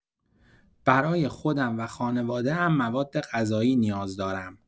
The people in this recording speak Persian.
برای خودم و خانواده‌ام موادغذایی نیاز دارم.